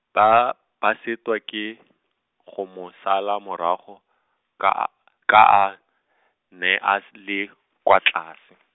ba, ba sitwa ke , go mo sala morago, ka a, ka a, ne a s- le, kwa tlase.